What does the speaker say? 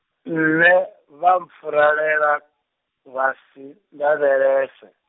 nṋe vha mpfuralela, vhasi nndavhelese.